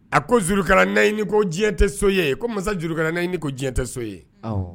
A ko ko diɲɛ tɛ ye ko masajanka n ko diɲɛ tɛ so ye